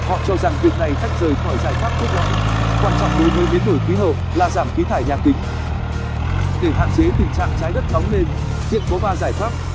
họ cho rằng việc này tách rời khỏi giải pháp cốt lõi quan trọng đối với biến đổi khí hậu là giảm khí thải nhà kính để hạn chế tình trạng trái đất nóng lên hiện có giải pháp